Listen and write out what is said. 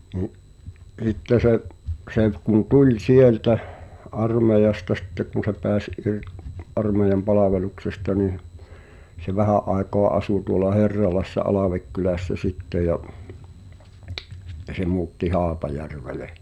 niin sitten se se kun tuli sieltä armeijasta sitten kun se pääsi - armeijan palveluksesta niin se vähän aikaa asui tuolla Herralassa Alvekylässä sitten ja sitten se muutti Haapajärvelle